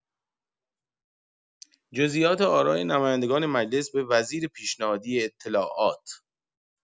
جزییات آرا نمایندگان مجلس به وزیر پیشنهادی اطلاعات